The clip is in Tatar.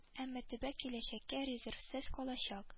Әмма төбәк киләчәккә резервсыз калачак